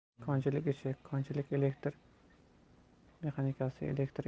konchilik ishi konchilik elektr mexanikasi elektr